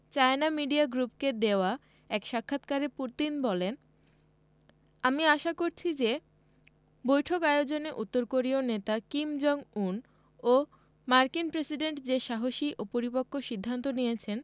China media গ্রুপকে দেওয়া এক সাক্ষাৎকারে পুতিন বলেন আমি আশা করছি যে বৈঠক আয়োজনে উত্তর কোরীয় নেতা কিম জং উন ও মার্কিন প্রেসিডেন্ট যে সাহসী ও পরিপক্ব সিদ্ধান্ত নিয়েছেন